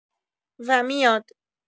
و میاد